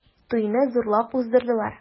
Туйны зурлап уздырдылар.